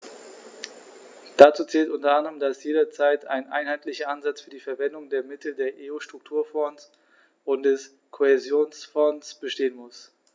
Dazu zählt u. a., dass jederzeit ein einheitlicher Ansatz für die Verwendung der Mittel der EU-Strukturfonds und des Kohäsionsfonds bestehen muss.